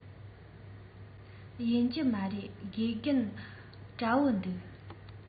ཡིན གྱི མ རེད དགེ རྒན འདྲ པོ འདུག